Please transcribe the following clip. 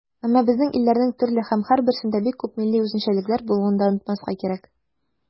Әмма безнең илләрнең төрле һәм һәрберсендә бик күп милли үзенчәлекләр булуын да онытмаска кирәк.